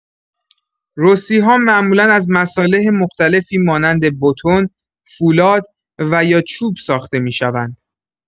رسی‌ها معمولا از مصالح مختلفی مانند بتن، فولاد و یا چوب ساخته می‌شوند.